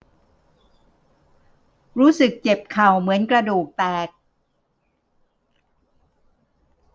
รู้สึกเจ็บเข่าเหมือนกระดูกแตก